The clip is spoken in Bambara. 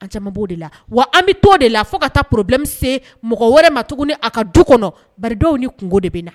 An caman b'o de la wa an bɛ t'o de la fo ka taa problème se mɔgɔ wɛrɛ ma tuguni a ka du kɔnɔ bari dɔw ni kunko de bɛ na